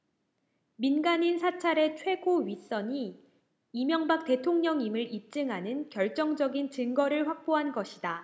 민간인 사찰의 최고 윗선이 이명박 대통령임을 입증하는 결정적인 증거를 확보한 것이다